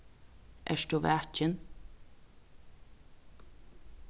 ert tú vakin